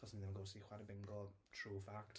Achos o'n i ddim yn gwybod sut i chwarae bingo. True fact.